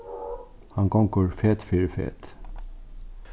hann gongur fet fyri fet